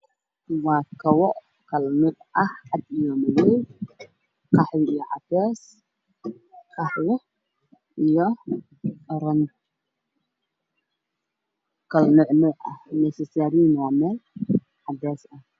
Waa kabo ka kooban saddex kabood oo midabkooda kala duwan yahay suman ayay leeyihiin